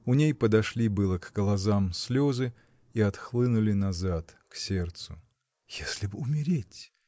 У ней подошли было к глазам слезы и отхлынули назад, к сердцу. — Если б умереть!